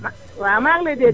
ma waaw maa ngi lay dégg